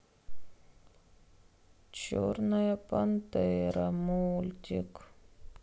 черная пантера мультик